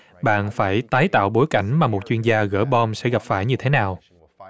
bạn phải tái tạo bối cảnh mà một chuyên gia gỡ bom sẽ gặp phải như thế nào